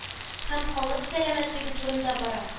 Һәм халык сәламәтлеге турында бара.